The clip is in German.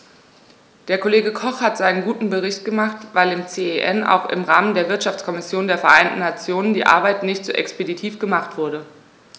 Der Kollege Koch hat seinen guten Bericht gemacht, weil im CEN und auch im Rahmen der Wirtschaftskommission der Vereinten Nationen die Arbeit nicht so expeditiv gemacht wurde.